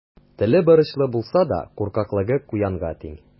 Теле борычлы булса да, куркаклыгы куянга тиң.